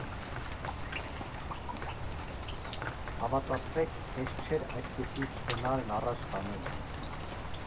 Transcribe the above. Հավատացեք, հեշտ չէր այդպիսի սցենարն առաջ տանել…